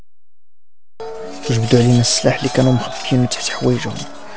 تقدرين السلاح لي كم مخفين تحويجه